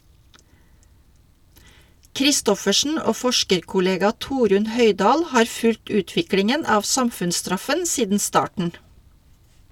Kristoffersen og forskerkollega Torunn Højdahl har fulgt utviklingen av samfunnsstraffen siden starten.